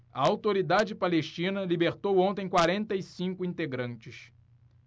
a autoridade palestina libertou ontem quarenta e cinco integrantes